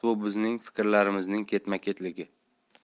bu bizning fikrlarimizning ketma ketligi